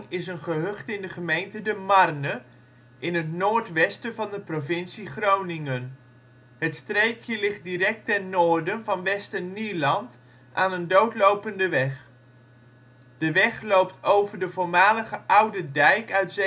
is een gehucht in de gemeente De Marne, in het noord-westen van de provincie Groningen. Het streekje ligt direct ten noorden van Westernieland aan een doodlopende weg. De weg loopt over de voormalige oude dijk uit 1717